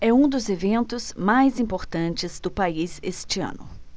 é um dos eventos mais importantes do país este ano